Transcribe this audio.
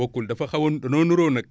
bokkul dafa xaw a danoo niróo nag